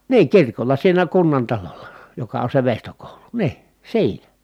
niin kirkolla siinä kunnantalolla joka on se veistokoulu niin siinä